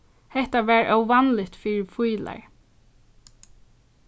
hetta var óvanligt fyri fílar